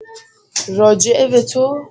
راجع‌به تو؟